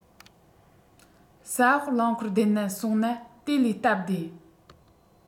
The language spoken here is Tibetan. ས འོག རླངས འཁོར བསྡད ནས སོང ན དེ བས སྟབས བདེ